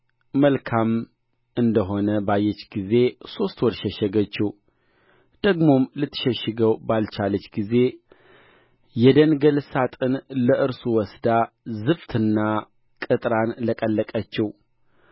መልካምም እንደሆነ ባየች ጊዜ ሦስት ወር ሸሸገችው ደግሞም ልትሸሽገው ባልቻለች ጊዜ የደንገል ሣጥን ለእርሱ ወስዳ ዝፍትና ቅጥራን ለቀለቀችው